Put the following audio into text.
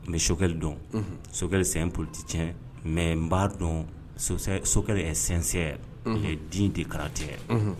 N bɛ soli don sokɛ sɛgɛn polite tiɲɛ mɛ n b'a dɔn sinsɛn den de kalan tigɛ